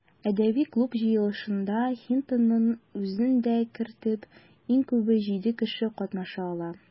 Әдәби клуб җыелышында, Хинтонның үзен дә кертеп, иң күбе җиде кеше катнаша ала.